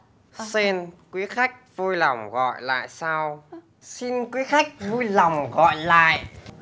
xin quý khách vui lòng gọi lại sau xin quý khách vui lòng gọi lại